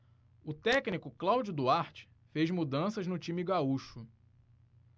o técnico cláudio duarte fez mudanças no time gaúcho